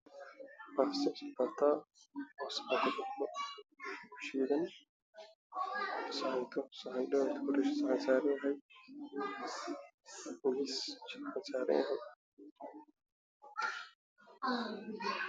Meeshaan waxaa ka muuqdo sahal ku jiraan pasto iyo maraq iyo bambanooni